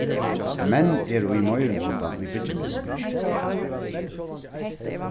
menn eru í meiriluta í byggivinnuni